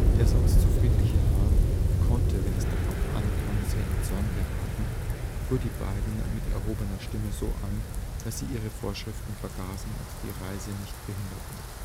Der sonst so friedliche Hahn – er konnte, wenn es darauf ankam, sehr in Zorn geraten – fuhr die beiden mit erhobener Stimme so an, dass sie ihre Vorschriften vergaßen und die Reise nicht behinderten